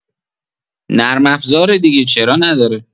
نرم افزاره دیگه، چرا نداره!